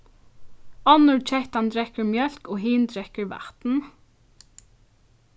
onnur kettan drekkur mjólk og hin drekkur vatn